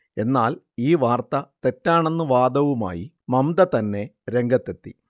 എന്നാൽ ഈ വാർത്ത തെറ്റാണെന്ന് വാദവുമായി മംമ്ത തന്നെ രംഗത്തെത്തി